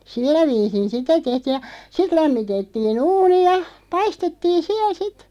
sillä viisiin sitä tehtiin ja sitten lämmitettiin uuni ja paistettiin siellä sitten